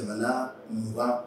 ŋana mugan